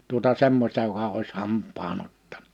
tuota semmoista joka olisi hampaan ottanut